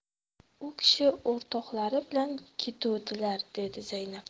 u kishi o'rtoqlari bilan ketuvdilar dedi zaynab